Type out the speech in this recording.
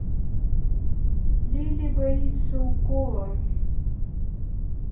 лили боится укола